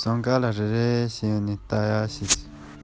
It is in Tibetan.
འཐུང བའི དང བ ག ན ཡོད